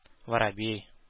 Воробей